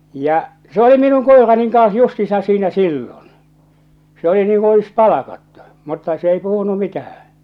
ja se oli minun koirani kanssa justiinsa siinä silloin se oli niin kuin olisi palkattu mutta se ei puhunut mitään